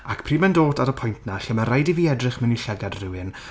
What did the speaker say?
Ac pryd mae'n dod at y pwynt 'na lle mae rhaid i fi edrych mewn i llygaid rhywun...